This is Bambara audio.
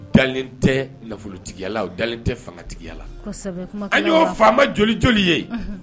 U dalen tɛ nafolotigiyala u dalen tɛ fangatigiyala. Unhun An yo faama joli joli ye